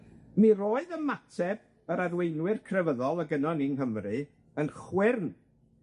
Mi roedd ymateb yr arweinwyr crefyddol o' gynnon ni'ng Nghymru yn chwyrn